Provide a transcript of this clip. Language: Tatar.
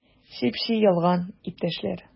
Чеп-чи ялган, иптәшләр!